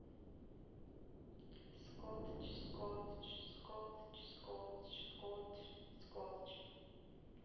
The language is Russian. скотч скотч скотч скотч скотч скотч